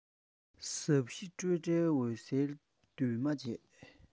ཟབ ཞི སྤྲོས བྲལ འོད གསལ འདུས མ བྱས